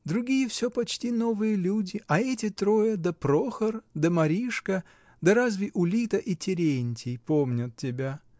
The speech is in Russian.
Другие всё почти новые люди, а эти трое, да Прохор, да Маришка, да разве Улита и Терентий помнят тебя.